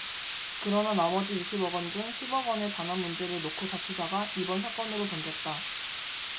그러나 나머지 이십 억원 중 십 억원의 반환 문제를 놓고 다투다가 이번 사건으로 번졌다